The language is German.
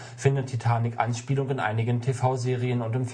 findet Titanic Anspielung in einigen TV-Serien